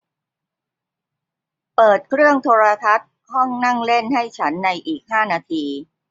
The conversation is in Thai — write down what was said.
เปิดเครื่องโทรทัศน์ห้องนั่งเล่นให้ฉันในอีกห้านาที